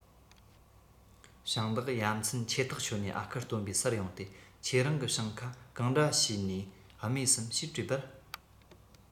ཞིང བདག ཡ མཚན ཆེ ཐག ཆོད ནས ཨ ཁུ སྟོན པའི སར ཡོང སྟེ ཁྱེད རང གི ཞིང ཁ གང འདྲ བྱས དན རྨོས སམ ཞེས དྲིས པས